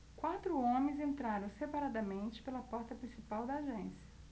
quatro homens entraram separadamente pela porta principal da agência